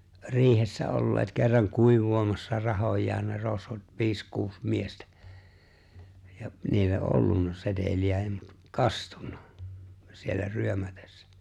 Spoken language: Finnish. riihessä olleet kerran kuivaamassa rahojaan ne rosvot viisi kuusi miestä ja niillä ollut seteliä ja mutta kastunut siellä ryömätessä